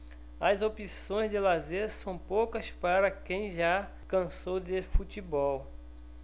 as opções de lazer são poucas para quem já cansou de futebol